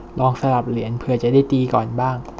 ลองสลับเหรียญเผื่อจะได้ตีก่อนบ้าง